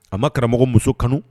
A ma karamɔgɔ muso kanu